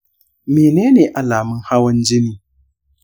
menene alamun hawan jini?